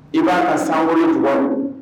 I b'a ka sangolo